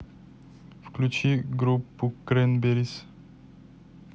включи группу кренберис